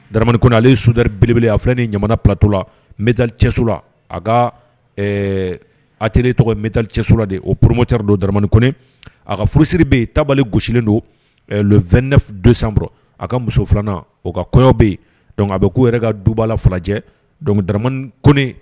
Damani ko ale sud belebele a filɛ ni ɲamana pto latali cɛsola a ka at tɔgɔtali cɛsola de o poromo cari don damani ko a ka furusi bɛ yen tabali gosisilen don 2ɛ don san a ka muso filanan o ka kɔyɔ bɛ yen a bɛ k' yɛrɛ ka duba la falajɛ ko